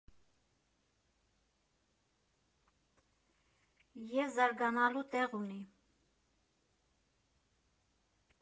Եվ զարգանալու տեղ ունի։